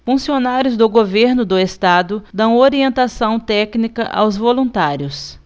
funcionários do governo do estado dão orientação técnica aos voluntários